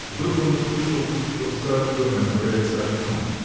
Вдруг он услышал, что в старом доме отворяется окно.